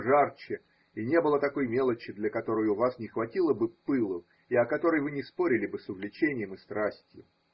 то жарче, и не было такой мелочи, для которой у вас не хватило бы пылу и о которой вы не спорили бы с увлечением и страстью.